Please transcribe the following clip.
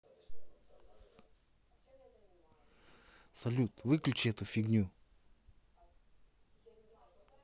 салют выключи эту фигню